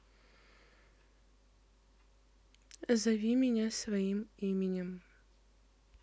зови меня своим именем